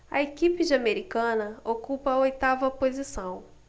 a equipe de americana ocupa a oitava posição